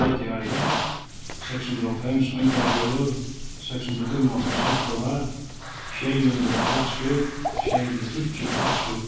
gøtueiði seks hundrað og hálvfems oyndarfjørður seks hundrað og fimmoghálvfems hellurnar sjey hundrað klaksvík sjey hundrað og tíggju klaksvík